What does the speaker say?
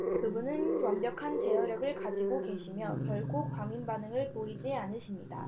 그분은 완벽한 제어력을 가지고 계시며 결코 과민 반응을 보이지 않으십니다